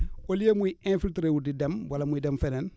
au lieu muy infiltrer wu di dem wala muy dem feneen